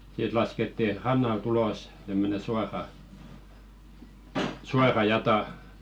sitten laskettiin rannalta ulos tämmöinen suora suora jata